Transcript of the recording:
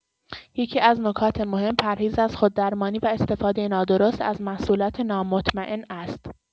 یکی‌از نکات مهم، پرهیز از خوددرمانی و استفاده نادرست از محصولات نامطمئن است.